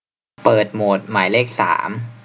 เปิดโหมดหมายเลขสาม